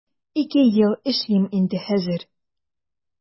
Ике ел эшлим инде хәзер.